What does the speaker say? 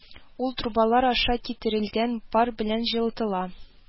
Ул трубалар аша китерелгән пар белән җылытыла